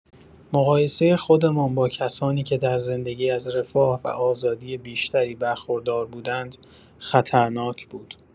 مقایسه خودمان با کسانی که در زندگی از رفاه و آزادی بیشتری برخوردار بودند، خطرناک بود.